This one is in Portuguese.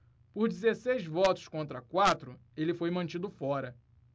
por dezesseis votos contra quatro ele foi mantido fora